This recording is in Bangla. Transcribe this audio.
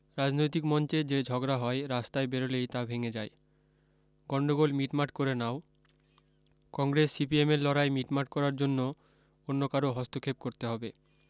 রাজনৈতিক মঞ্চে যে ঝগড়া হয় রাস্তায় বেরলেই তা ভেঙ্গে যায় গন্ডগোল মিটমাট করে নাও কংগ্রেস সিপিএমের লড়াই মিটমাট করার জন্য অন্য কারো হস্তক্ষেপ করতে হবে